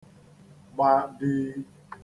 gba di